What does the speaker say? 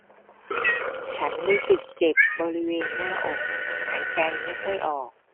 ฉันรู้สึกเจ็บบริเวณหน้าอกหายใจไม่ค่อยออก